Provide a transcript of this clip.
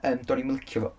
Yym, do'n i'm yn licio fo.